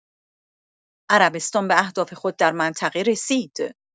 عربستان به اهداف خود در منطقه رسید.